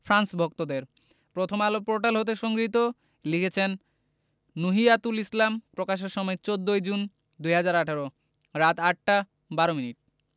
France ভক্তদের Prothom Alo portal হতে সংগৃহীত লিখেছেন নুহিয়াতুল ইসলাম প্রকাশের সময় ১৪জুন ২০১৮ রাত ৮টা ১২ মিনিট